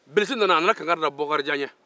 bilisi nana a nana kankari da bokarijan ye